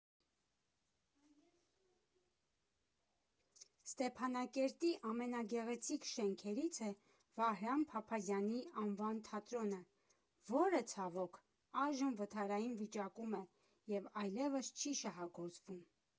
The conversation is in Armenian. Ստեփանակերտի ամենագեղեցիկ շենքերից է Վահրամ Փափազյանի անվան թատրոնը, որը, ցավոք, այժմ վթարային վիճակում է և այլևս չի շահագործվում։